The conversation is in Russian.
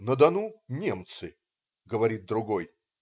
На Дону - немцы!" - говорит другой.